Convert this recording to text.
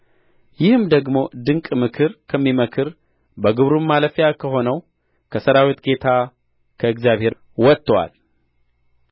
ይህም ደግሞ ድንቅ ምክር ከሚመክር በግብሩም ማለፊያ ከሆነው ከሠራዊት ጌታ ከእግዚአብሔር ወጥቶአል